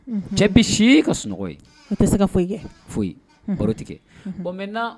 Baro